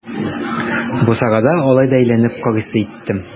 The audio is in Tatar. Бусагада алай да әйләнеп карыйсы иттем.